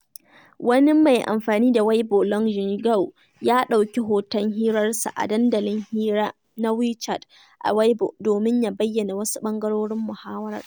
Wani mai amfani da Weibo LongZhigao ya ɗauki hoton hirarsa a dandalin hira na WeChat a Weibo domin ya bayyana wasu ɓangarorin muhawarar.